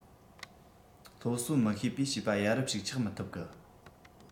སློབ གསོ མི ཤེས པས བྱིས པ ཡ རབས ཞིག ཆགས མི ཐུབ གི